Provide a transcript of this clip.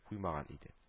Куймаган иде